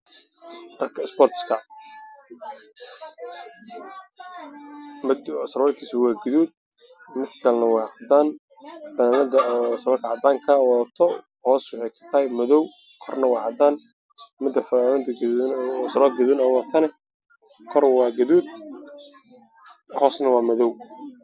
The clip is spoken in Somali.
Dharka isbortiska surwaalka waa gaduud